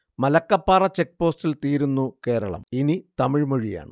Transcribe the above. മലക്കപ്പാറ ചെക്പോസ്റ്റിൽ തീരുന്നു, കേരളം ഇനി തമിഴ് മൊഴിയാണ്